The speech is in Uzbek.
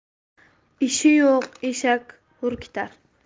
ishi yo'q eshak hurkitar